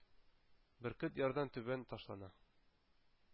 Бөркет ярдан түбән ташлана.